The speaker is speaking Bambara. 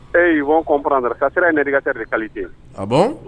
Ee bɔɔn kɔnpd ka sira ye ne de ka kɛre ka ten